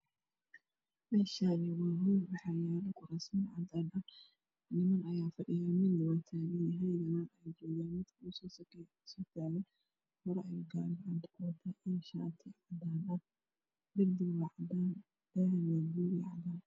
Meeshani waxaa iga muuqato saacad oo cad cadaan ah wataan makorafano ayay haystan miiskan waxaa saaran banooli